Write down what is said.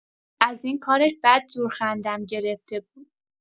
از این کارش بدجور خندم گرفته بود.